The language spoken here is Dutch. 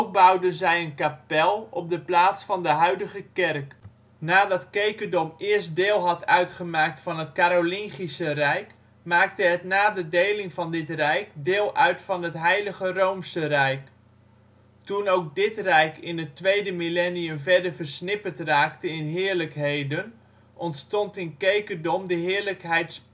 bouwden zij een kapel op de plaats van de huidige kerk. Nadat Kekerdom eerst deel had uitgemaakt van het Karolingische rijk maakte het na de deling van dit rijk deel uit van het Heilige Roomse rijk. Toen ook dit rijk in het tweede millennium verder versnipperd raakte in heerlijkheden, ontstond in Kekerdom de heerlijkheid